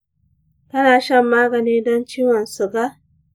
kana shan magani don ciwon suga?